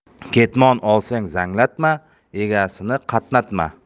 ketmon olsang zanglatma egasini qatnatma